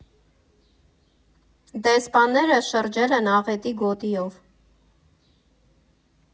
Դեսպանները շրջել են աղետի գոտիով։